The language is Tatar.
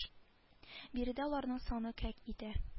Биредә аларның саны кә итә